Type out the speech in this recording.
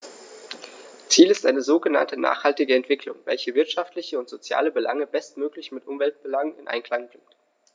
Ziel ist eine sogenannte nachhaltige Entwicklung, welche wirtschaftliche und soziale Belange bestmöglich mit Umweltbelangen in Einklang bringt.